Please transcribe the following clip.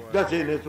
Gase yen to